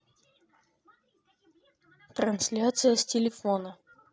трансляция с телефона